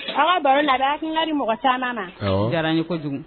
Aw ka haro in, a bɛ hakilina di mɔgɔ caman.A diyara an ye kojugu.